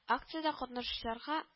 Акциядә катнашучыларга